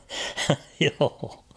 joo